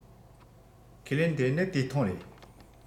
ཁས ལེན དེ ནི དུས ཐུང རེད